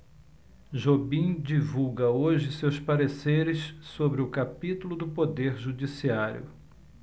jobim divulga hoje seus pareceres sobre o capítulo do poder judiciário